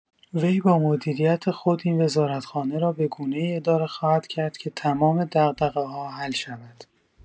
وی با مدیریت خود این وزارتخانه را به گونه‌ای اداره خواهد کرد که تمام دغدغه‌ها حل شود.